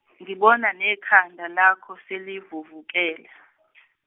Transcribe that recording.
Ngibona nekhanda lakho selivuvukele.